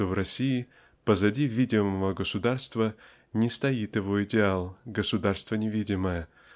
что в России позади видимого государства не стоит его идеал государство невидимое